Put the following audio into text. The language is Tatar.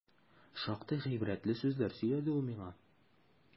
Шактый гыйбрәтле сүзләр сөйләде ул миңа.